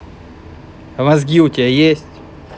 а мозги у тебя есть